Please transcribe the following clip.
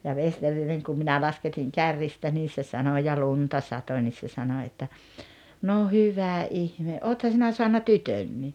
ja Vesterinen kun minä lasketin kärristä niin se sanoi ja lunta satoi niin se sanoi että no hyvä ihme olethan sinä saanut tytönkin